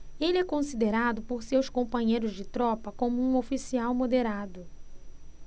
ele é considerado por seus companheiros de tropa como um oficial moderado